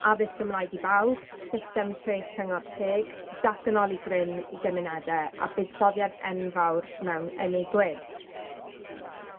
Addysg Gymraeg i bawb, system treth cyngor teg, datganoli grym i gymunede, a buddsoddiad enfawr mewn ynni gwyrdd.